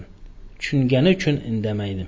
tushungani uchun indamaydi